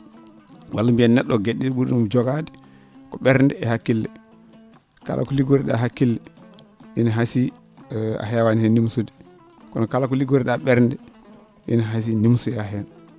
walla mbiyen ne??o o ge?e ?i?i o ?uri ?um jogaade ko ?ernde e hakkille kala ko liggori?aa hakkille ina hasii a heewaani heen nimsude kono kala ko liggori?aa ?ernde ene hasii nimsoyaa heen